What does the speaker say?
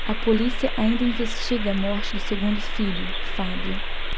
a polícia ainda investiga a morte do segundo filho fábio